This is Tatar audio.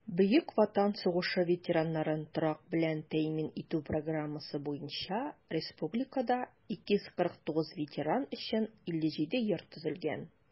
Бөек Ватан сугышы ветераннарын торак белән тәэмин итү программасы буенча республикада 249 ветеран өчен 57 йорт төзелгән.